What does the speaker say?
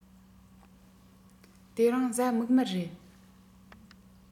དེ རིང གཟའ མིག དམར རེད